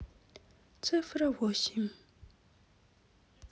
цифра восемь